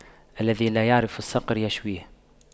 الذي لا يعرف الصقر يشويه